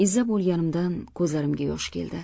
izza bo'lganimdan ko'zlarimga yosh keldi